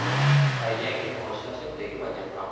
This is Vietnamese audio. thời gian nhận hồ sơ xét tuyển và nhập học